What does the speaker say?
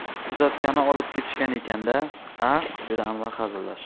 tuzatgani olib ketishgan ekan da a dedi anvar hazillashib